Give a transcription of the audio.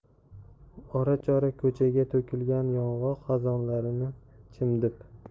ora chora ko'chaga to'kilgan yong'oq xazonlarini chimdib